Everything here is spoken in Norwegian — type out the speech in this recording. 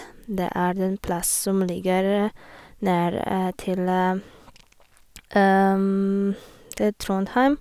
Det er den plass som ligger nær til til Trondheim.